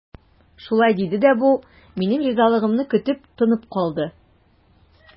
Шулай диде дә бу, минем ризалыгымны көтеп, тынып калды.